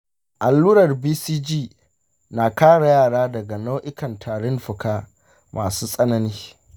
allurar bcg na kare yara daga nau’ikan tarin fuka masu tsanani.